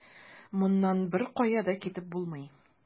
Моннан беркая да китеп булмый.